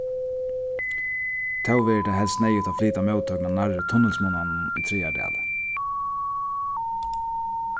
tó verður tað helst neyðugt at flyta móttøkuna nærri tunnilsmunnanum í traðardali